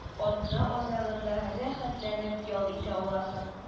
Атна азагында рәхәтләнеп ял итә аласың.